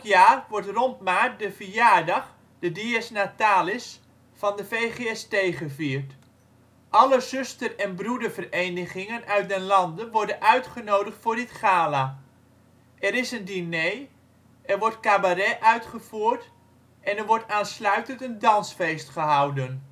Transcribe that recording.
jaar wordt rond maart de verjaardag, de Dies Natalis, van de VGST gevierd. Alle zuster - en broederverenigingen uit den lande worden uitgenodigd voor dit gala. Er is een diner, er wordt cabaret opgevoerd en er wordt aansluitend een dansfeest gehouden